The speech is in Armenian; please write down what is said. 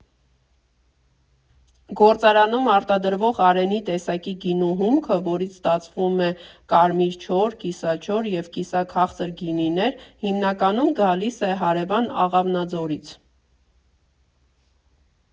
Գործարանում արտադրվող Արենի տեսակի գինու հումքը, որից ստացվում է կարմիր չոր, կիսաչոր և կիսաքաղցր գինիներ, հիմնականում գալիս է հարևան Աղավնաձորից։